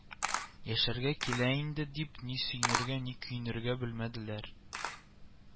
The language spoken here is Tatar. Яшәргә килә инде, дип, ни сөенергә, ни көенергә белмәделәр